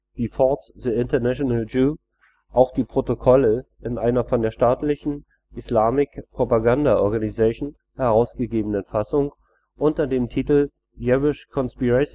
wie Fords The International Jew auch die Protokolle in einer von der staatlichen Islamic Propaganda Organisation herausgegebenen Fassung unter dem Titel „ Jewish Conspiracy